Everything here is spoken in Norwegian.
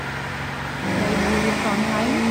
Jeg bor i Trondheim.